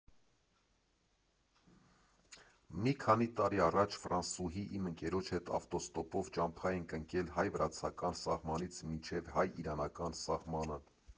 Մի քանի տարի առաջ ֆրանսուհի իմ ընկերոջ հետ ավտոստոպով ճամփա էինք ընկել հայ֊վրացական սահմանից մինչև հայ֊իրանական սահմանը։